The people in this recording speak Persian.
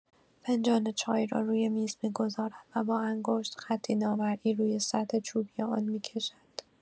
فنجان چای را روی میز می‌گذارد و با انگشت، خطی نامرئی روی سطح چوبی آن می‌کشد.